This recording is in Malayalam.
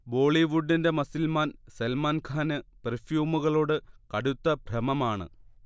ബോളിവുഡിന്റെ മസിൽ മാൻ സൽമാൻഖാന് പെർഫ്യൂമുകളോട് കടുത്ത ഭ്രമമാണ്